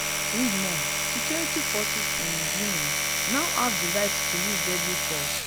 Read more: Security forces in Guinea now have the right to use deadly force